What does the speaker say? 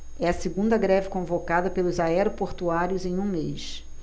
é a segunda greve convocada pelos aeroportuários em um mês